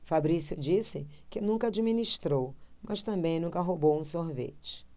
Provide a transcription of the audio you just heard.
fabrício disse que nunca administrou mas também nunca roubou um sorvete